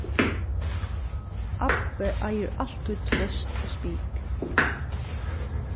abbi eigur altíð tvøst og spik